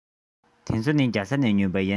འདི ཚོ ནི རྒྱ ཚ ནས ཉོས པ ཡིན